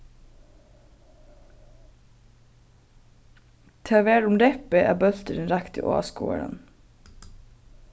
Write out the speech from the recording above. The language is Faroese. tað var um reppið at bólturin rakti áskoðaran